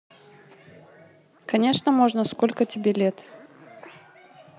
конечно можно сколько тебе лет